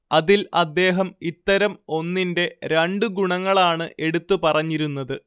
അതിൽ അദ്ദേഹം ഇത്തരം ഒന്നിന്റെ രണ്ട് ഗുണങ്ങളാണ് എടുത്തു പറഞ്ഞിരുന്നത്